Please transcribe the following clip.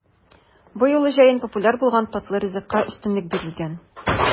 Бу юлы җәен популяр булган татлы ризыкка өстенлек бирелгән.